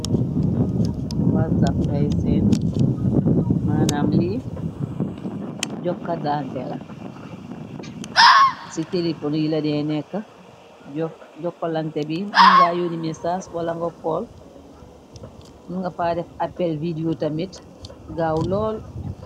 wazak ngay seen manam lii jokkadante la ci telefon yila dee nekk jokkalante bi mun ngayodi mesaas wala ngo pol mun nga pa def apel video tamit gaaw lool